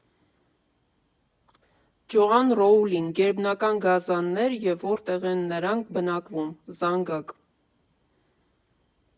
Ջոան Ռոուլինգ «Գերբնական գազաններ, և որտեղ են նրանք բնակվում», Զանգակ։